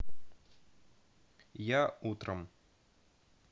я утром